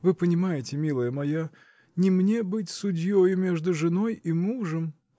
Вы понимаете, милая моя, -- не мне быть судьею между женой и мужем.